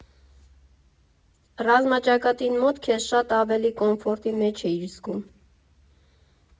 Ռազմաճակատին մոտ քեզ շատ ավելի կոմֆորտի մեջ էիր զգում։